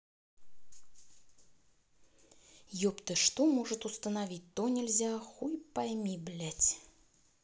епты что может установить то нельзя хуй пойми блядь